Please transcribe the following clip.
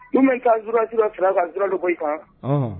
N'u ma jounaliste dɔ sara o ka journal dɔ bɔ i kan!